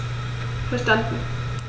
Verstanden.